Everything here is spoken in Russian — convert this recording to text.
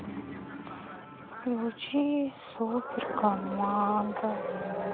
включи супер команда